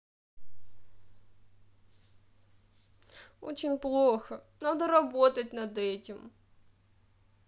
очень плохо надо работать над этим